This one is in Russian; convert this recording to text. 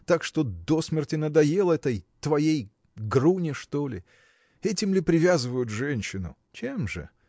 так что до смерти надоел этой твоей. Груне, что ли! Этим ли привязывают женщину? – Чем же?